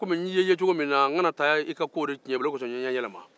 komi ne y'i ye cogo min na ne kana taga i ka ko de tiɲɛ i bolo o de kosɔn ne ye n yɛlɛma